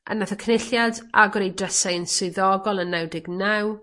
A nath y Cynulliad agor ei drysau yn swyddogol yn naw deg naw,